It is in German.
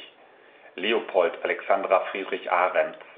Leopold Alexander Friedrich Arends